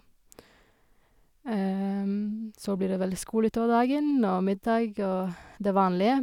Så blir det vel skole utover dagen og middag og det vanlige.